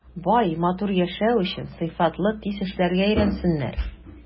Бай, матур яшәү өчен сыйфатлы, тиз эшләргә өйрәнсеннәр.